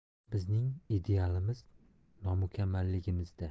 bizning idealimiz nomukammalligimizda